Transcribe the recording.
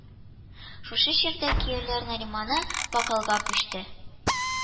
Шушы чорда кияүләре Нариманы да бакыйлыкка күчте